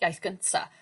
iaith gynta